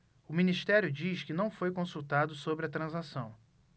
o ministério diz que não foi consultado sobre a transação